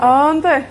Oh yndi?